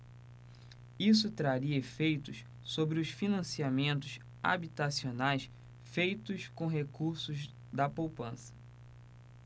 isso traria efeitos sobre os financiamentos habitacionais feitos com recursos da poupança